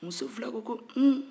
muso fila ko ko un